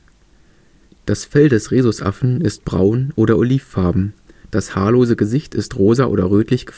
Fell des Rhesusaffen ist braun oder olivfarben, das haarlose Gesicht ist rosa oder rötlich